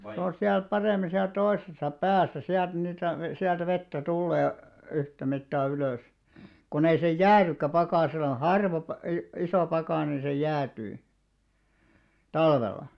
se on siellä paremmin siellä toisessa päässä sieltä niitä - sieltä vettä tulee yhtä mittaa ylös kun ei se jäädykään pakkasella -- iso pakkanen niin se jäätyy talvella